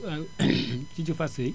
si ci Fatou Seye